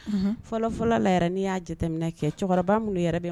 Fɔlɔfɔlɔ cɛkɔrɔba minnu